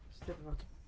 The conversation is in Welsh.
'Steddfod.